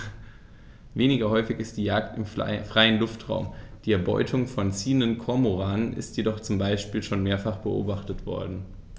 Weniger häufig ist die Jagd im freien Luftraum; die Erbeutung von ziehenden Kormoranen ist jedoch zum Beispiel schon mehrfach beobachtet worden.